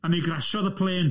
A mi grasiodd y plên.